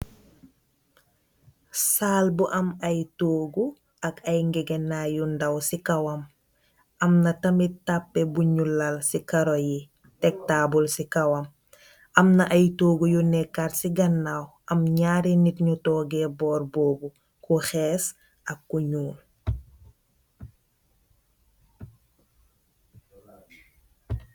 Saal bu am at toogu ak aye gegenay yu ndaw se kawam amna tamin tapah bunu lal se karou yee tek table se kawam, amna aye toogu yu nekat se ganaw am nyari neet yu tooge burr bobu ku hess ak ku njol.